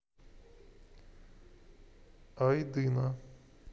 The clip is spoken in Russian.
айдына